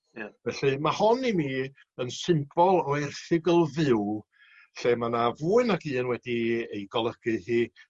Ia. Felly ma' hon i mi yn symbol o erthygl fyw lle ma' 'na fwy nag un wedi ei golygu hi